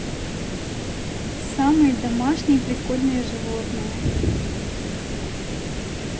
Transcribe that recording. самые домашние прикольные животные